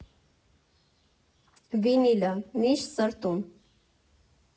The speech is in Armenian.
Վինիլը՝ միշտ սրտում։